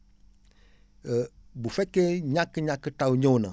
bu fekkee énàkk-ñàkk taw ñëw na